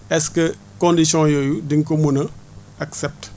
est ce que conditions yooyu di nga ko mën a accepté